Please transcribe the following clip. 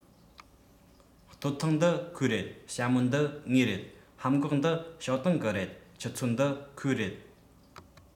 སྟོད ཐུང འདི ཁོའི རེད ཞྭ མོ འདི ངའི རེད ལྷམ གོག འདི ཞའོ ཏིང གི རེད ཆུ ཚོད འདི ཁོའི རེད